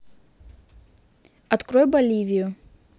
открой боливию